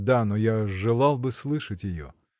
— Да, но я желал бы слышать ее.